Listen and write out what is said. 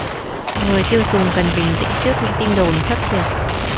người tiêu dùng cần bình tĩnh trước những tin đồn thất thiệt